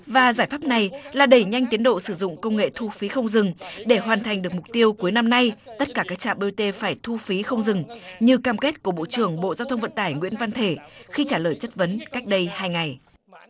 và giải pháp này là đẩy nhanh tiến độ sử dụng công nghệ thu phí không dừng để hoàn thành được mục tiêu cuối năm nay tất cả các trạm bê ô tê phải thu phí không dừng như cam kết của bộ trưởng bộ giao thông vận tải nguyễn văn thể khi trả lời chất vấn cách đây hai ngày